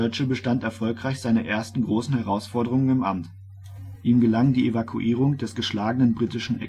bestand erfolgreich seine ersten großen Herausforderungen im Amt: Ihm gelang die Evakuierung des geschlagenen britischen